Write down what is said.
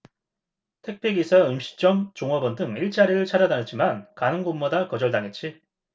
택배 기사 음식점 종업원 등 일자리를 찾아다녔지만 가는 곳마다 거절당했지